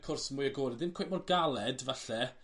cwrs yn mwy agored. Ddim cweit mor galed falle